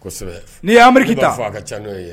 Kosɛbɛ ! N'i ye Amérique ta. An b'a fɔ, a ka ca n'o ye.